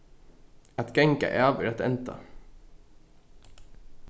at ganga av er at enda